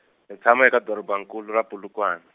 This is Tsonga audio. ndzi tshama eka doroba nkulu ra Polokwane.